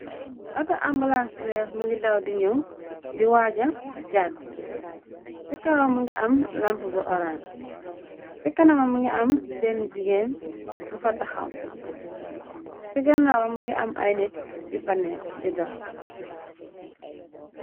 Ooto ambalanse bu weex mëngi daw di ñaw, di waaja jadd, ci kawam mingi am lampu bu orans, ci kanamam mingi am benne jigéen bu fa taxaw, ci gannaawam ngi am ay nit yu fa nekk di dox.